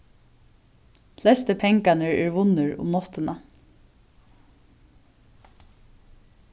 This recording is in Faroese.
flestu pengarnir er vunnir um náttina